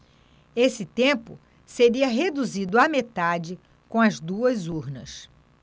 esse tempo seria reduzido à metade com as duas urnas